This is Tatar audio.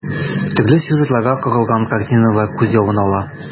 Төрле сюжетларга корылган картиналар күз явын ала.